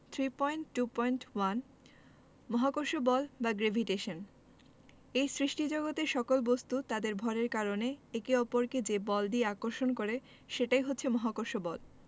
3.2.1 মহাকর্ষ বল বা Gravitation এই সৃষ্টিজগতের সকল বস্তু তাদের ভরের কারণে একে অপরকে যে বল দিয়ে আকর্ষণ করে সেটাই হচ্ছে মহাকর্ষ বল